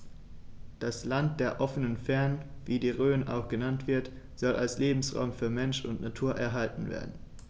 Das „Land der offenen Fernen“, wie die Rhön auch genannt wird, soll als Lebensraum für Mensch und Natur erhalten werden.